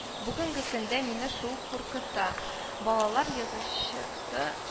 Бүгенге көндә мине шул куркыта. Балалар язучысы